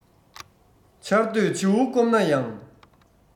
ཆར འདོད བྱེའུ སྐོམ ན ཡང